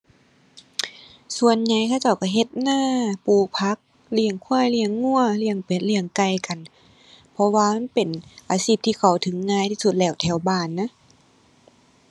ส่วนใหญ่เขาเจ้าก็เฮ็ดนา ปลูกผัก เลี้ยงควาย เลี้ยงงัว เลี้ยงเป็ด เลี้ยงไก่กัน เพราะว่ามันเป็นอาชีพที่เข้าถึงง่ายที่สุดแล้ว แถวบ้านนะ